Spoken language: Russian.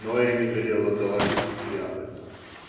Ноэми велела доложить тебе об этом.